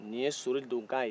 ni ye sori don kan ye